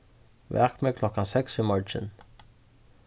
vak meg klokkan seks í morgin